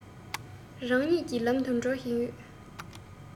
རང ཉིད ཀྱི ལམ དུ འགྲོ བཞིན ཡོད